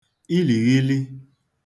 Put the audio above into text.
ilìghili